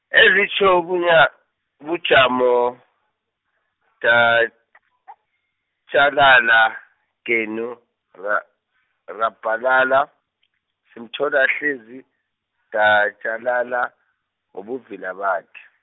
ezitjho ubunya-, ubujamo, datjhalala, genu, ra- rabhalala , simthole ahlezi, datjalala, ngobuvila bakhe.